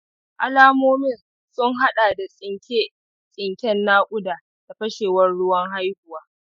alamomin sun haɗa da tsinke-tsinken nakuda da fashewar ruwan haihuwa.